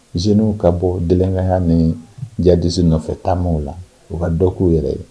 Jeunes ka bɔ délinquant ya ni djihadistes nɔfɛ taamaw la u ka dɔ k'u yɛrɛ ye